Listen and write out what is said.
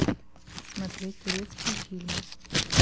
смотреть турецкие фильмы